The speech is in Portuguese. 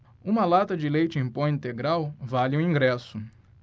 uma lata de leite em pó integral vale um ingresso